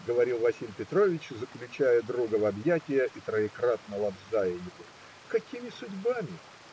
говорил Василий Петрович, заключая друга в объятия и троекратно лобзая его. - Какими судьбами?